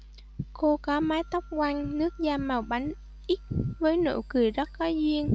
cô có mái tóc quăn nước da màu bánh ít với nụ cười rất có duyên